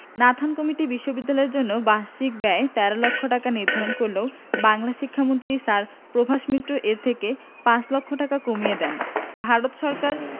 Nathan committee বিশ্ববিদ্যালয়ের জন্য বাৎসরিক ব্যয় ১৩ লক্ষ টাকা নির্ধারণ করলেও বাংলার শিক্ষামন্ত্রী স্যার প্রভাস মিত্র এর থেকে পাঁচ লক্ষ টাকা কমিয়ে দেন ভারত সরকার